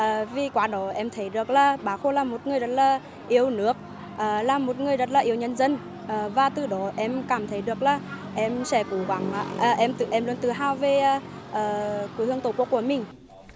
à vì qua đó em thấy được là bác hồ là một người rất là yêu nước à là một người rất là yếu nhân dân à và từ đó em cảm thấy được là em sẽ cố gắng em tự em luôn tự hào về ờ quê hương tổ quốc của mình